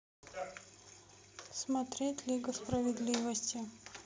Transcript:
смотреть лига справедливости